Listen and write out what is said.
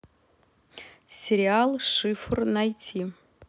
сериал шифр найти